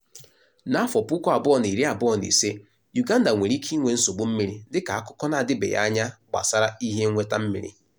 Na 2025, Uganda nwere ike ịnwe nsogbu mmiri dịka akụkọ na-adịbeghị anya gbasara ihenweta mmiri.